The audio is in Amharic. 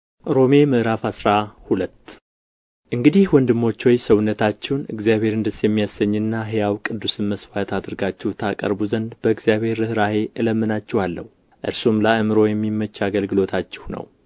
ሮሜ ምዕራፍ አስራ ሁለት እንግዲህ ወንድሞች ሆይ ሰውነታችሁን እግዚአብሔርን ደስ የሚያሰኝና ሕያው ቅዱስም መሥዋዕት አድርጋችሁ ታቀርቡ ዘንድ በእግዚአብሔር ርኅራኄ እለምናችኋለሁ እርሱም ለአእምሮ የሚመች አገልግሎታችሁ ነው